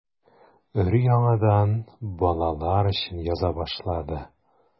Өр-яңадан балалар өчен яза башлады.